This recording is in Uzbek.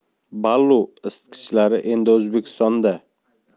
ballu isitgichlari endi o'zbekistonda